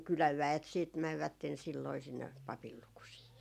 kylän väet sitten menivät silloin sinne papin lukusiin